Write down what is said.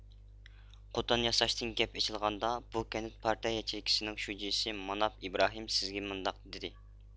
قوتان ياساشتىن گەپ ئېچىلغاندا بۇ كەنت پارتىيە ياچېيكىسىنىڭ شۇجىسى ماناپ ئىبراھىم بىزگە مۇنداق دېدى